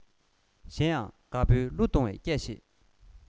གཞན ཡང དགའ པོའི གླུ གཏོང བའི སྐད ཤེད